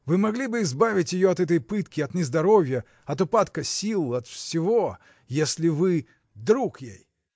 — Вы могли бы избавить ее от этой пытки, от нездоровья, от упадка сил. от всего — если вы. друг ей!